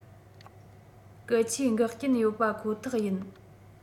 སྐད ཆའི འགག རྐྱེན ཡོད པ ཁོ ཐག ཡིན